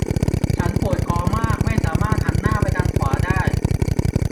ฉันปวดคอมากไม่สามารถหันหน้าไปทางขวาได้